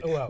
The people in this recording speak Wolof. waaw